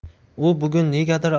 u bugun negadir